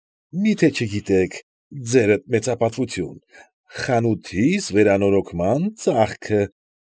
Մի՞թե չգիտեք, ձերդ մեծապատվություն, խանութիս վերանորոգման ծախքը։